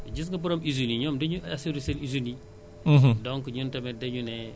yooyu yépp assurance daf koy jël en charge jàppale la te foofu moo gën a yomb